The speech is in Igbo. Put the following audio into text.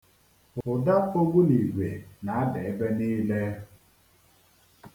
Ụda ogbunigwe na-ada ebe niile.